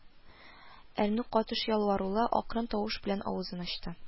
Әрнү катыш ялварулы акрын тавыш белән авызын ачты: